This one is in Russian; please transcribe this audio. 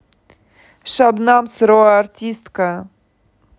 shabnam сырое артистка